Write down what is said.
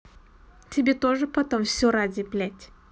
тебе тоже потом все ради блядь